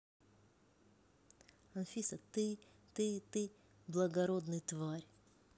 анфиса ты ты ты благородный тварь